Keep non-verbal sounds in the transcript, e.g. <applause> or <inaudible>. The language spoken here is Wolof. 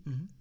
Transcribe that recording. <hesitation> <hesitation>